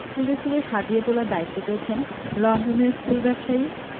ফুলে ফুলে সাজিয়ে তোলার দায়িত্ব পেয়েছেন লন্ডনের ফুল ব্যবসায়ী